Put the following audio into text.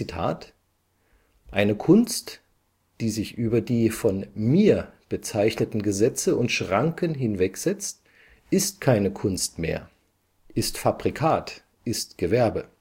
Eine Kunst, die sich über die von Mir bezeichneten Gesetze und Schranken hinwegsetzt, ist keine Kunst mehr, ist Fabrikat, ist Gewerbe